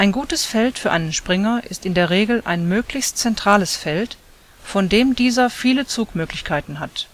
gutes Feld für einen Springer ist in der Regel ein möglichst zentrales Feld, von dem dieser viele Zugmöglichkeiten hat